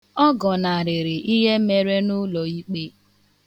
Ọ gọnarịrị ihe mere n'ụlọikpe.